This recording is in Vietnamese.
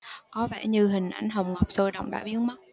có vẻ như hình ảnh hồng ngọc sôi động đã biến mất